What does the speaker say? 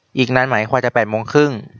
อีกนานไหมกว่าจะแปดโมงครึ่ง